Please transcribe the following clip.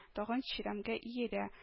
Тагын чирәмгә иелә